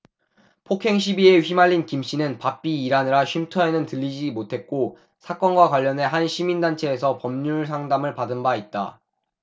폭행시비에 휘말린 김씨는 바삐 일하느라 쉼터에는 들르지 못했고 사건과 관련해 한 시민단체에서 법률상담을 받은 바 있다